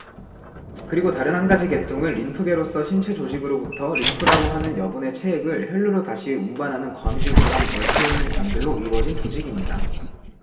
그리고 다른 한 가지 계통은 림프계로서 신체 조직으로부터 림프라고 하는 여분의 체액을 혈류로 다시 운반하는 거미줄처럼 얽혀 있는 관들로 이루어진 조직입니다